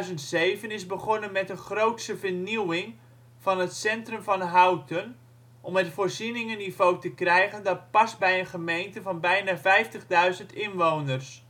In 2007 is begonnen met een grootse vernieuwing van het centrum van Houten, om een voorzieningenniveau te krijgen dat past bij een gemeente van bijna 50.000 inwoners